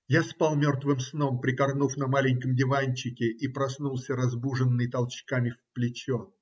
-------------- Я спал мертвым сном, прикорнув на маленьком диванчике, и проснулся, разбуженный толчками в плечо.